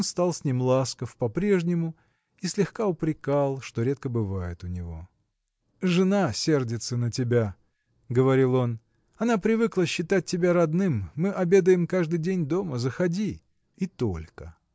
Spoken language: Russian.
он стал с ним ласков по-прежнему и слегка упрекал что редко бывает у него. – Жена сердится на тебя – говорил он – она привыкла считать тебя родным мы обедаем каждый день дома заходи. И только.